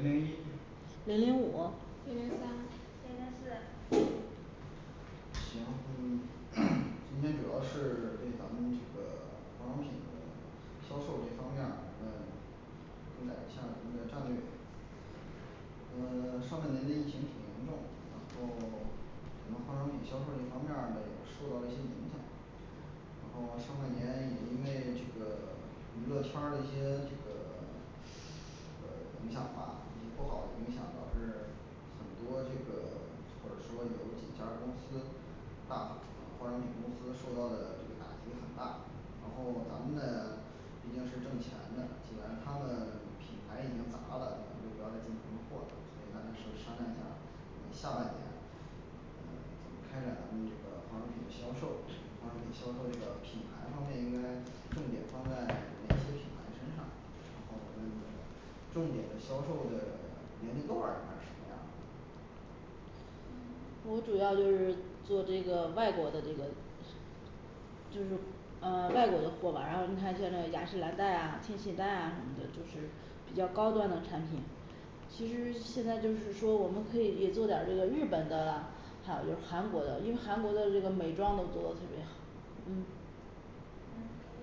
零零一零零五零零三零零四行嗯 今天主要是对咱们这个 化妆品销售这方面儿嗯，更改一下儿你们的战略嗯 上半年疫情挺严重，然后 我们化妆品销售这一方面儿呢也受到了一些影响然后上半年也因为这个 娱乐圈儿一些这个 呃影响吧，一些不好的影响，导致很多这个 或者说有几家公司大化妆品公司受到了打击很大然后咱们呢毕竟是挣钱的，既然他们品牌已经砸了，咱们就不要再进行供货了，所以咱在商 商量一下儿下半年嗯开展咱们这个化妆品销售使化妆品销售这个品牌方面应该重点放在哪些品牌身上，然后我们的重点的销售的年龄段儿应该是什么样的我主要就是做这个外国的这个就是嗯外国的货吧，然后你看现在雅诗兰黛啊天气丹啊什么的，就是比较高端的产品其实现在就是说我们可以也做点儿这个日本的，还有就韩国的，因为韩国的这个美妆都做得特别好嗯嗯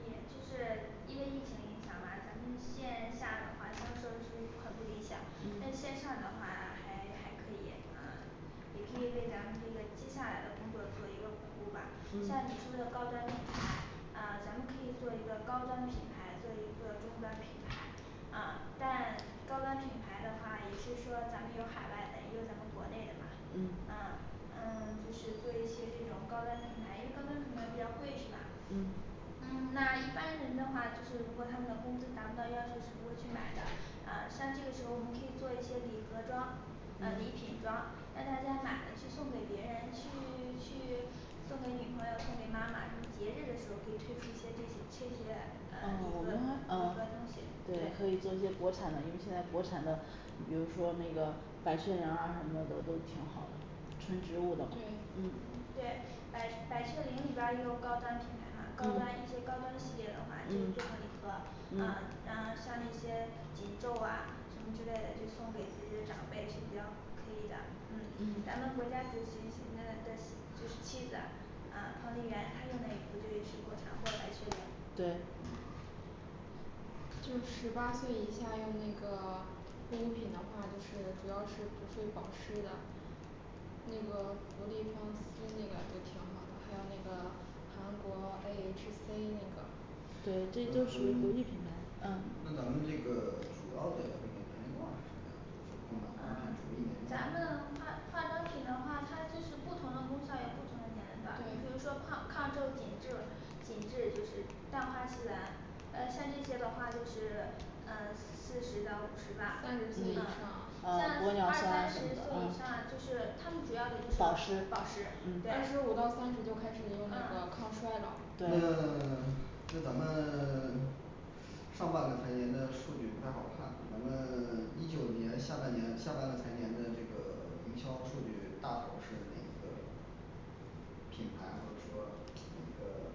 也就是因为疫情影响吧咱们线下的话销售这些很不理想，但嗯线上的话还还可以嗯也可以为咱们这个接下来的工作做一个巩固吧，像你嗯说的高端品牌，啊咱们可以做一个高端品牌，做一个中端品牌嗯但高端品牌的话也是说咱们有海外的，也有咱们国内的嘛，嗯嗯嗯 就是做一些这种高端品牌，因为高端品牌比较贵是吧嗯那一般人的话，就是如果他们的工资达不到要求是不会去买的，嗯像这个时候我们可以做一些礼盒装嗯礼嗯品装，让大家买了去送给别人去去送给女朋友送给妈妈，你节日的时候可以推出一些这些这些嗯礼盒礼盒东西对可以做一些国产的，因为现在国产的比如说那个百雀羚儿啊什么的都挺好的纯植物的对嗯对百百雀羚里边儿也有高端品牌嘛，高端嗯一些高端系列的话就嗯做个礼盒嗯嗯嗯像那些极昼啊什么之类的，就送给自己的长辈是比较可以的嗯嗯嗯咱们国家主席呃的就是妻子呃彭丽媛她用的也不对是国产货百雀羚对吗嗯就十八岁以下用那个护肤品的话就是主要是补水保湿的那个国际跟那个挺好的，还有那个韩国A H C那个对这都属于国际品牌嗯那咱们这个主要的年龄段儿是嗯咱们化化妆品的话它就是不同的功效有不同的年龄段儿比如对说抗抗皱紧褶品质就是淡化自然嗯想这些的话就是嗯四十到五十吧三十岁以上嗯嗯像二三啊玻尿酸什十岁么的以上啊就是他们主要也就是保湿保湿嗯二十五到三十就开始用那个抗衰老那对 那咱们 上半个财年的数据不太好看，咱们 一九年下半年下半个财年的这个营销数据大头是哪一个品牌或者说这个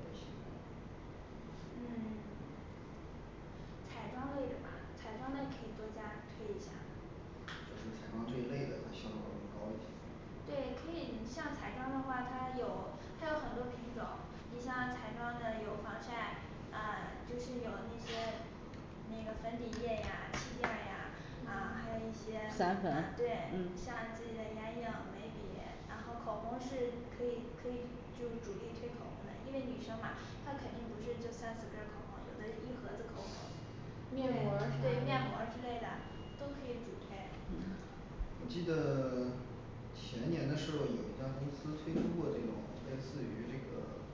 嗯 彩妆类的吧彩妆类可以多加推一下就是彩妆这一类的它效率会更高一些对，可以，像彩妆的话它有它有很多品种，你像彩妆的有防晒，嗯就是有那些那个粉底液呀气垫儿呀，啊还有一些散粉对像这类眼影、眉笔，然后口红是可以可以就是主力推口红，因为女生嘛她肯定不是就三四根儿口红，有的一盒子口红对面膜儿啥对面的膜儿之类的都可以主推嗯我记得 前年的时候，有一家公司推出过这种类似于这个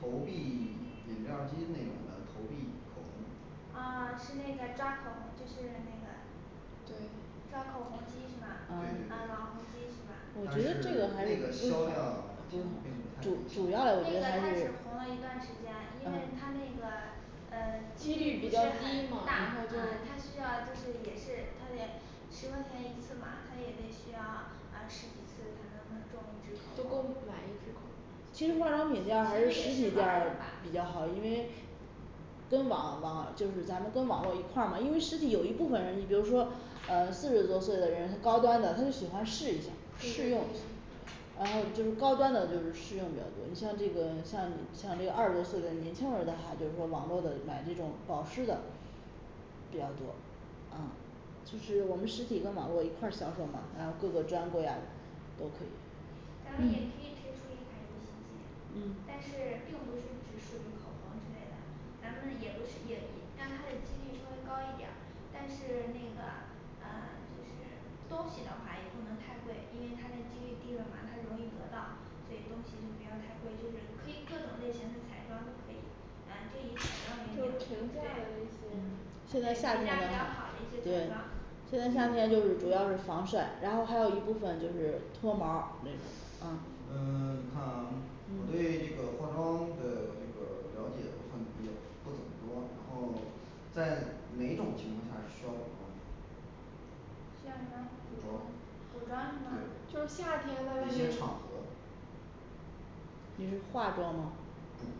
投币饮料儿机那种的投币口红啊是那个抓口红就是那个对抓口红机是吧对嗯对网红对机是我但吧觉是得这个还那是个销量主主要那的个它只红了一段时间因为它那个嗯几率比较低嘛然啊后就它需要就是也是它得十块钱一次嘛她也得需要玩儿十几次才能中一支都口够红，买一支口红其实化妆品这样还是实体店儿比较好，因为跟网网就是咱们跟网络一块儿嘛，因为实体有一部分人，你比如说嗯四十多岁的人，高端的她就喜欢试一下对试对对用然后就是高端的就是试用的多，你像这个像像这个二十多岁的年轻人儿的话，就是说网络的买这种保湿的比较多嗯就是我们实体跟网络一块儿销售嘛，然后各个专柜啊都可以咱们也可嗯以推出一款游戏机，嗯但是并不是指属于口红之类的，咱们也不是也让它的几率稍微高一点儿，但是那个嗯就是东西的话也不能太贵，因为它的几率低了嘛太容易得到，所以东西就不要太贵，就是可以各种类型的彩妆都可以。啊这一次好像没就有平价对的一些嗯现对在评夏天的价比较话好的一些彩妆对现在夏天就是主要是防晒，然后还有一部分就是脱毛儿那种啊嗯 你看啊我嗯对这个化妆的这个了解算也不怎么多，然后在哪种情况下是需要我们需要什么补妆补妆是吗对就是夏天在外哪些面场合你是化妆吗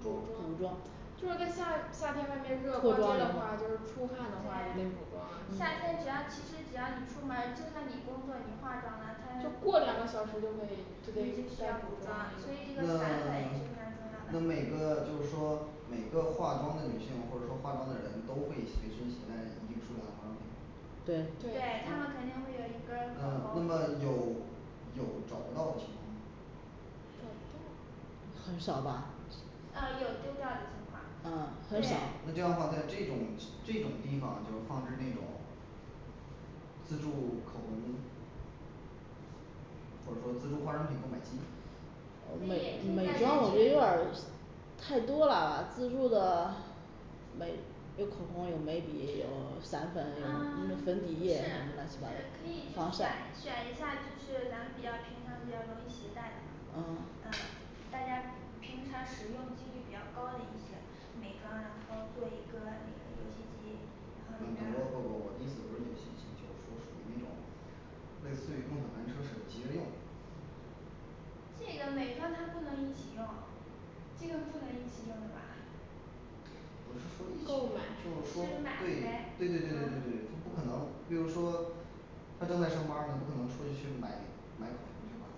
补补补妆妆妆就是在夏夏天外面热逛街的话，就是出汗的话就得对补妆了夏天只要其实只要你出门儿，就算你工作，你化妆了，就她过两个小时就会就得需该要补补妆妆所以那这个散粉也是非常 那重要的每个就是说每个化妆的女性或者说化妆的人都会随身携带一定数量化妆品。对对对他们肯定会有一根儿嗯口那红么有有找不到的情况吗找不到很少吧嗯有丢掉的情况嗯很少对那这样的话在这种七 这种地方就放置那种自助口红或者说自助化妆品购买机哦可美以美妆我觉得有点儿太多啦吧自助的眉有口红，有眉笔，有散嗯 就是就是可以选粉有那个粉底液乱七八糟防晒一下就是咱们比较平常比较容易携带的嘛嗯嗯大家平常使用几率比较高的一些美妆，然后做一个那个游戏机，然后里嗯边儿不不不意思不是游戏机，就是说属于那种类似于共享单车是急着用那个美妆它不能一起用，这个不能一起用的吧我是说购就是买说是对对买对呗对对对对它不可能就是说她正在上班儿呢不可能出去去买买口红去吧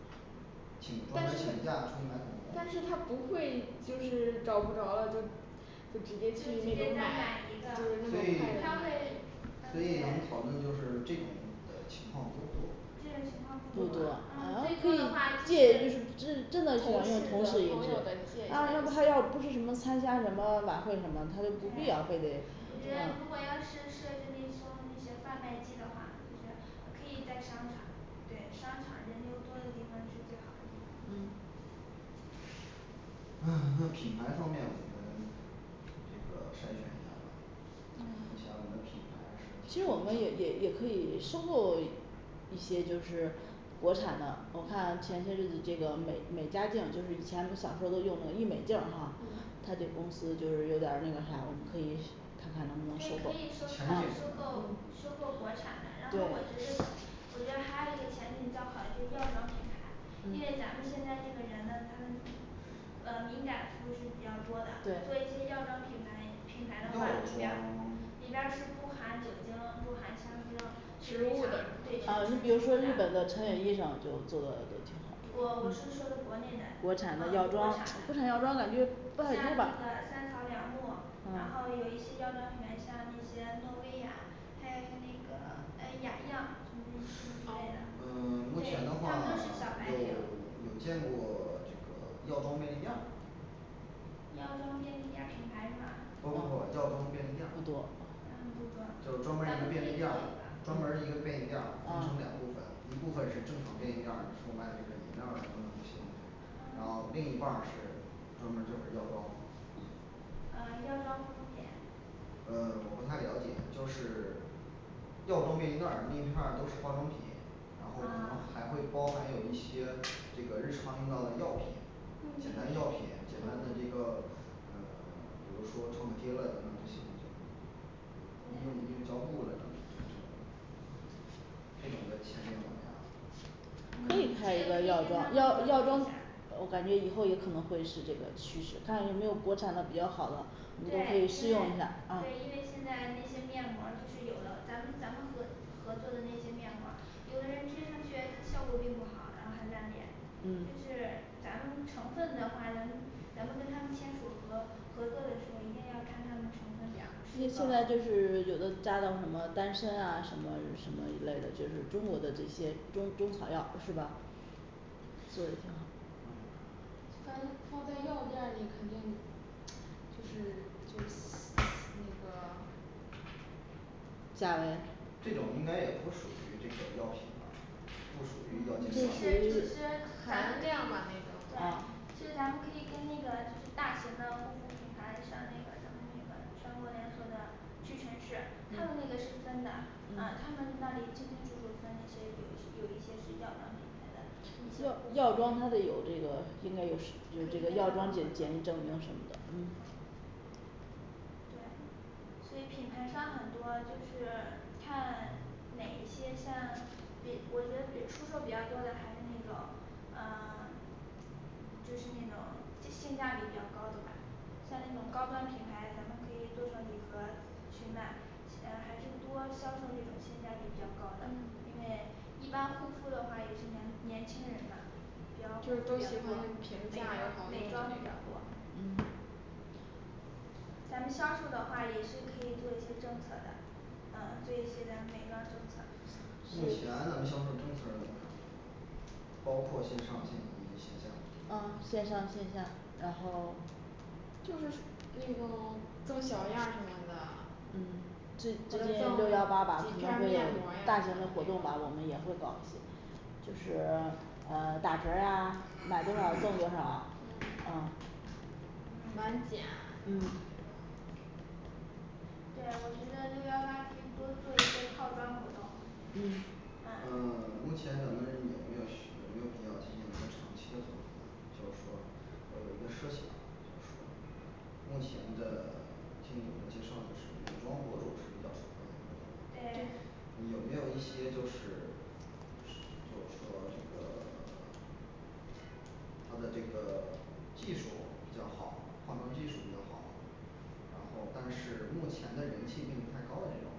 请专但门请假是出去买但口红是她不会就是找不着了就就直就接去直那接种再买买一个就是所那么以快她的买会所以咱们讨论就是这种的情况多不多这种情况不不多多吧嗯可最多以的话借就是至 真的同事的朋同事友的借借一下啊要不儿她要不是什么参加什么晚会什么她就不必对要非得我觉嗯得如果要是设置那种这些贩卖机的话，就是可以在商场对商场人流多的地方是最好的地方啊那品牌方面我们这个筛选一下吧就像我们是品牌是其实我们也也也可以收购一些就是国产的，我看前些日子这个美美加净，就是以前小时候儿用那个郁美净儿哈，嗯他这个公司有点儿那个啥我们可以是 看看能不能收对可以购前收购景收嗯购收购国产的，然后我对觉得我觉得还有一个前景较好的就是药妆品牌，因为嗯咱们现在这个人们他们嗯敏感肤是比较多的，对做一些药妆品牌品牌的话，里药边妆里边儿是不含酒精，不含香精植物的对嗯你比如说日本的城野医生就做的挺好不我是说的国内的嗯国国产产的的药妆国产药妆你就办像那个三草两木，然后有一些药妆里面像那些诺薇雅还有用那个嗯雅漾什么一些之类的嗯 目对前的他话们都是 小有白瓶 有见过这个药妆便利店儿药妆便利店儿品牌是吧不不不药妆便利店不儿多嗯不多就是专门儿一个便利店儿专门儿一个便利店儿分成两部分一部分是正常便利店儿售卖这个饮料等等这些东西然嗯后另一半儿是专门儿就是药妆嗯药妆护肤品嗯我不太了解就是药妆便利店儿那一片儿都是化妆品然后啊还会包含有一些这个日常用到的药品，简嗯单药品，简单的这个嗯 比如说创可贴了等等这些东西医用医对用胶布了这种这种，这种的前景怎么样可以开一个药妆药药妆，我感觉以后也可能会是这个趋势，看看有没有国产的比较好的对对对因为对你都可以试用一下嗯因为现在那些面膜儿就是有的咱们咱们合合作的那些面膜儿有的人贴上去它效果并不好，然后还烂脸就嗯是咱们成分的话，咱们咱们跟他们签署合合作的时候，一定要看他们成本表儿因为现嗯在就是有的加的什么丹参啊什么什么一类的，就是中国的这些中中草药是吧？做的挺好反正放在药店儿里肯定就是就是那个价位这种应该也不属于这个药品吧不属于药监其实局管其实含量吧那种嗯对其实咱们可以跟那个就是大型的护肤品牌儿，就像那个咱们那个全国连锁的屈臣氏他们那嗯个是分的，嗯嗯他们那里清清楚楚分哪些，有有一些是药妆品牌的，药药妆它得有这个的，应该有是有这个药妆检检疫证明什么的嗯对所以品牌商很多就是看哪一些像比我觉得比出售比较多的还是那种嗯就是那种就性价比比较高的吧像那种高端品牌，咱们可以做上礼盒去卖，嗯还是多销售这种性价比比较高的，嗯因为一般护肤的话也是年年轻人嘛比较比较多美就是都喜欢评价妆又好美用的妆比那较种多嗯咱们销售的话也是可以做一些政策的。嗯做一些的美妆政策目前咱们销售政策呢包括线上线下嗯线上线下然后就是那种装小样什么的嗯最最或者近六赠幺几八片吧可儿能面会有膜儿呀大型什的么活动那吧，种我们也会搞一些就是嗯打折儿啊买多少赠多少啊嗯嗯嗯满减嗯对，我觉得六幺八可以多做一些套装活动嗯嗯嗯 目前咱们有没有需 有没有必要进行一个长期的投资就是说我有一个设想目前的听你们的介绍就是美妆博主是比较熟悉的对对有没有一些就是就是说这个 他的这个 技术比较好化妆技术比较好，然后但是目前的人气并不太高这种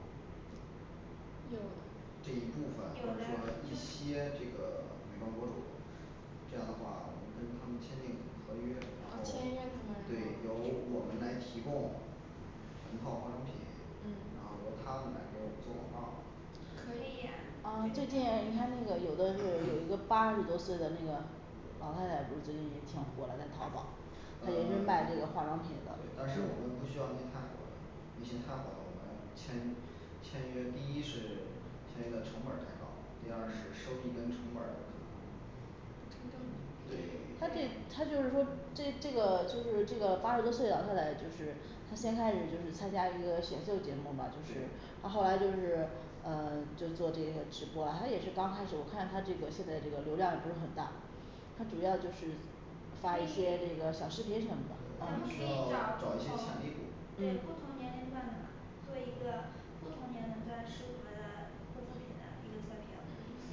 有的这一部分有或者的说一些这个美妆博主，这样的话我们跟他们签订合约哦签约看看对由是吗我们来提供全套化妆品，然嗯后由他们来给我做号儿可以呀嗯最近你看那个有的是有一个八十多岁的那个老太太不是最近也挺火的在淘宝他嗯也是 卖这个化妆品的但是我们不需要去太火，一些太火我们签签约第一是签约成本儿太高，第二是收益跟成本儿不成正比对她这她就是说这这个就是这个八十多岁老太太就是她先开始就是参加一个选秀节目嘛就是嗯后来就是嗯就做这个直播，她也是刚开始我看她这个现在这个流量不是很大她主要就是发可一以些这个小视频什么的咱们可以找不找同一些潜力股对不嗯同年龄段的嘛做一个不同年龄段适合的护肤品的一个测评，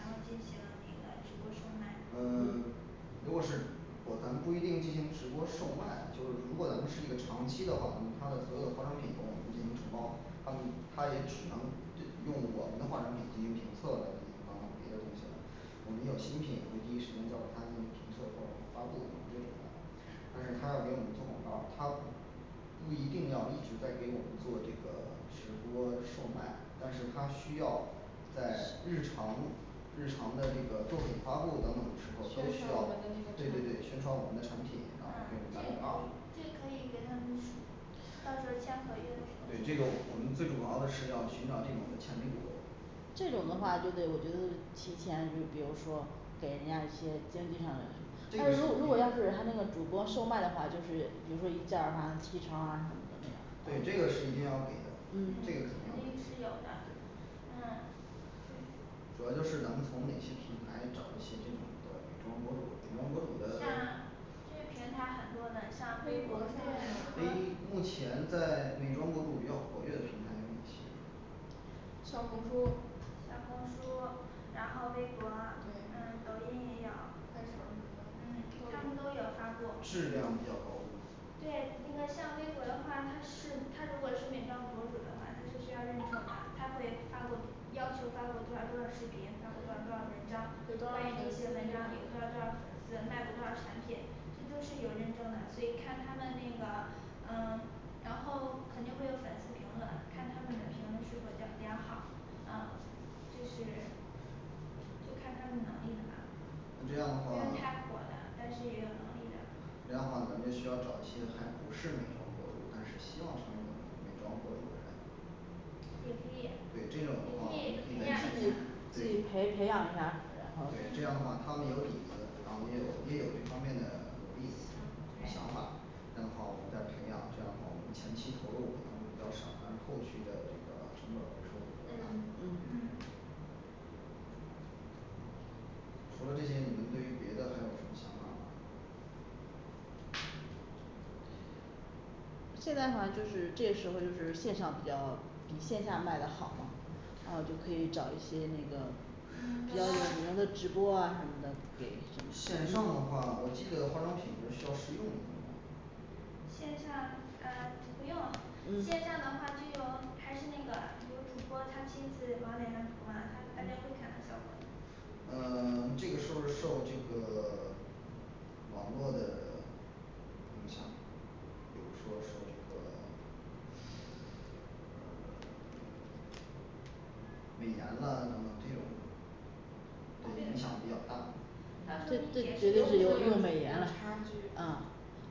然后进行那个直播售卖嗯 如果是哦咱们不一定进行直播售卖，就是如果咱们是一个长期的话，他的所有化妆品跟我们进行承包，他们他也只能对用我们的化妆品进行评测了，等等别的东西了我们有新品也会第一时间交给他进行评测和发布这种的但是他要给我们做广告，他不一定要一直在给我们做这个直播售卖，但是他需要在日常日常的这个作品发布等等的时候儿，宣都需传我要们那对个对的对产宣品传我们的产品嗯这个可，然后给我们打以广告儿这个可以给他们是到时候签合约时候对这个我们最主要的是要寻找这种潜力股的这种的话就得我觉得提前比比如说给人家一些经济上的这嗯个是一如如定果的要是他那个主播售卖的话就是比如说一件儿话提成啊什么的那个对，这个是一定要给的嗯这个肯肯定定是有的嗯对主要就是咱们从哪些平台找一些这种的美妆博主，美妆博主的 像这个平台很多的像微博儿论啊诶微博儿目前在美妆博主比较活跃的平台有哪些小红书小红书，然后微博儿对嗯抖音也有，快手儿嗯他们都有发过质量比较高吗对，那个像微博的话，她是她如果是美妆博主的话，她是需要认证的，她会发布要求发布多少多少视频，发布多少多少文章，有有多多少少多少粉粉丝丝，卖过多少产品，这都是有认证的，所以看他们那个嗯然后肯定会有粉丝评论，看他们的评论是不是就那样好。嗯就是就看他们能力的吧那这样不用的话太火的但是也有能力的这样的话咱们就需要找一些还不是美妆博主，但是希望成美美妆博主的人也可以对这种也可以培的话可以养自一下己嘛自己培培养一下然后对这样的话他们有底子，然后也有也有这方面的努力行想对法这样的话我们再培养，这样的话我们前期投入可能会比较少，但是后续的这个成本儿收入比较大嗯嗯嗯除了这些，你们对于别的还有什么想法吗现在反正就是这个时候儿就是线上比较比线下卖的好然后就可以找一些那个比较有名的直播啊什么的给线上的话，我记得化妆品都是需要试用的线上嗯不用，线嗯上的话就由还是那个由主播他亲自往脸上涂嘛，他大家会嗯看到效果 这个是不是受这个 网络的影响比如说受这个 美颜啦等等这种这种影对响比较大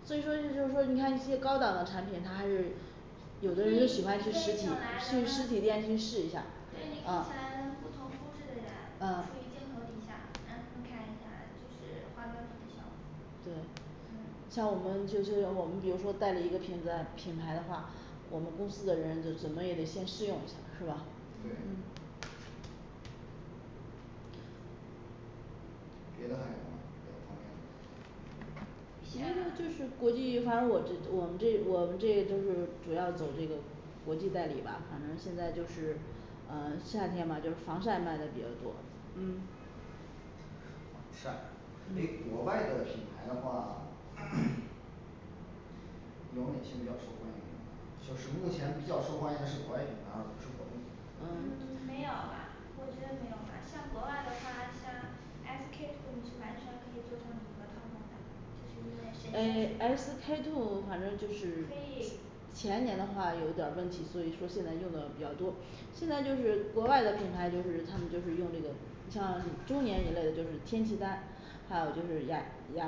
所以说这就是说你看一些高档的产品，它还是你有可的以直人就接请喜来欢去实体咱去实们体店去试一下儿对你可以请嗯来咱们不同肤质的人处嗯于镜头底下，让他们看一下儿就是化妆品的效果对像我们就就要我们比如说带了一个品品牌的话，我们公司的人怎怎么也得先试用一下是吧对嗯别的还有吗？别的方面其实就是国际，反正我这 我们这我们这都是主要走这个国际代理吧，反正现在就是呃夏天嘛就防晒卖的比较多嗯晒诶嗯国外的品牌的话 有哪些比较受欢迎？就是目前比较受欢迎是国外品牌，而不是国内品牌嗯嗯 没有吧我觉得没有吧像国外的话，像S K two你是完全可以做成组合套装的就是因为可以诶S K two反正就是可以前年的话有点儿问题，所以说现在用的比较多现在就是国外的品牌就是他们就是用那个你像中年一类的就是天气丹还有就是雅雅